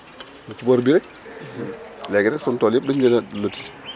si boor bii rek léegi nag suñu tool yëpp dañu leen lotissé